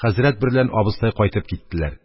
Хәзрәт берлән абыстай кайтып киттеләр.